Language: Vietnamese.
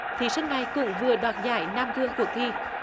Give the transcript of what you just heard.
thí sinh này cũng vừa đoạt giải nam vương cuộc thi